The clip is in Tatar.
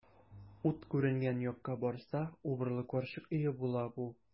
Ут күренгән якка барса, убырлы карчык өе була бу.